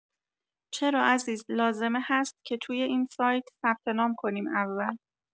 چرا عزیز لازمه هست که توی این سایت ثبت‌نام کنیم اول